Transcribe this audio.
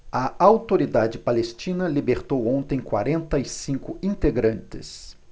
a autoridade palestina libertou ontem quarenta e cinco integrantes